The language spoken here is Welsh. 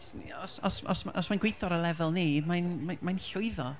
Os, os, os mae'n gweithio ar y lefel 'ny, mae'n, mae- mae'n llwyddo.